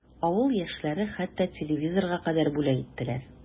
Авыл яшьләре хәтта телевизорга кадәр бүләк иттеләр.